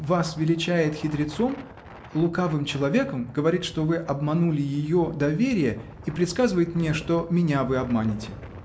вас величает хитрецом, лукавым человеком, говорит, что вы обманули ее доверие, и предсказывает мне, что меня вы обманете.